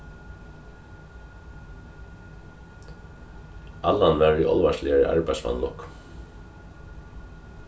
allan var í álvarsligari arbeiðsvanlukku